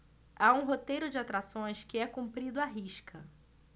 há um roteiro de atrações que é cumprido à risca